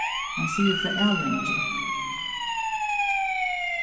hann sigur frá ælingi